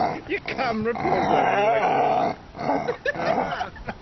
Your camera paused then and you were like "Tara!"